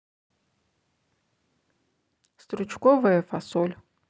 стручковая фасоль